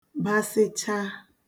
basịchaa